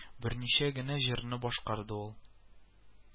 Берничә генә җырны башкарды ул